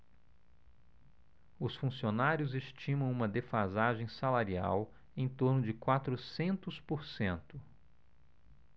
os funcionários estimam uma defasagem salarial em torno de quatrocentos por cento